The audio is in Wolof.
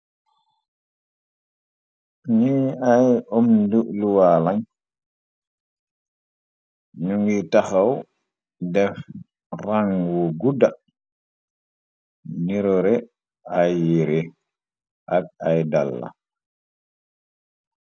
Ni ay amd luwaalañ nu ngi taxaw def rang wu gudda nirore ay yire ak ay dalla.